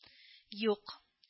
— юк